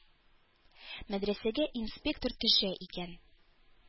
Мәдрәсәгә инспектор төшә икән,